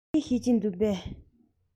དབྱིན སྐད ཤེས ཀྱི འདུག གས